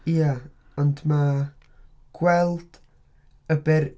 Ie ond mae gweld y ber...